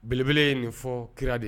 Belebele ye nin fɔɔ kira de ye